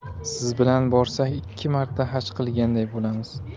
siz bilan borsak ikki marta haj qilganday bo'lamiz